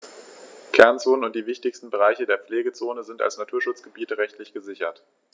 Kernzonen und die wichtigsten Bereiche der Pflegezone sind als Naturschutzgebiete rechtlich gesichert.